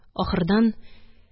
Ахырдан